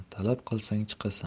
talab qilsang chiqasan